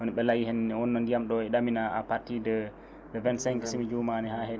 woni ɓe laayi heen wonno no ndiyam ɗo ɗamina à partir de 25 simi jumani ha heeɓi